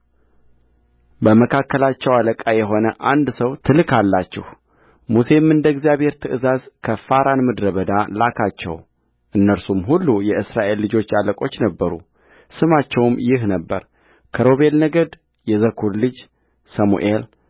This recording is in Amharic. በመካከላቸው አለቃ የሆነ አንድ ሰው ትልካላችሁሙሴም እንደ እግዚአብሔር ትእዛዝ ከፋራን ምድረ በዳ ላካቸው እነርሱም ሁሉ የእስራኤል ልጆች አለቆች ነበሩስማቸውም ይህ ነበረ ከሮቤል ነገድ የዘኩር ልጅ ሰሙኤል